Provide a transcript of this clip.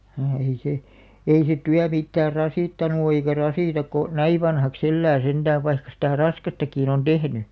ei se ei se työ mitään rasittanut ole eikä rasita kun näin vanhaksi elää sentään vaikka sitä raskastakin on tehnyt